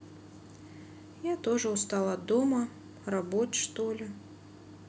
я тоже устал от дома робот что ли